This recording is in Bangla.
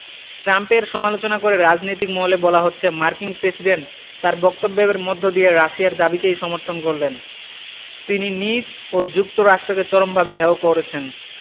ট্রাম্পের সমালোচনা করে রাজনৈতিক মহলে বলা হচ্ছে মার্কিন প্রেসিডেন্ট তাঁর বক্তব্যের মধ্য দিয়ে রাশিয়ার দাবিকেই সমর্থন করলেন তিনি নিজ ও যুক্তরাষ্ট্রকে চরমভাবে হেয় করেছেন